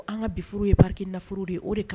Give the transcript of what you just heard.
An ka bi furu ye nafolo de de